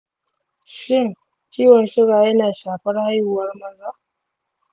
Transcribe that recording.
shin ciwon suga yana shafar haihuwar maza?